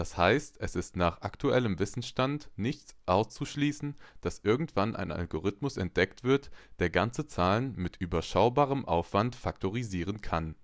heißt, es ist nach aktuellem Wissensstand nicht auszuschließen, dass irgendwann ein Algorithmus entdeckt wird, der ganze Zahlen mit überschaubarem Aufwand faktorisieren kann